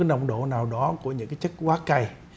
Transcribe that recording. nồng độ nào đó của những cái chất quá cay